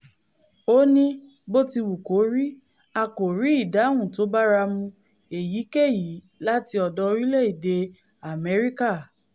O ni ''Botiwukori, a kòrí ìdáhùn tóbáramu èyíkeyìí láti ọ̀dọ̀ orílẹ̀-èdè U.S.,'' .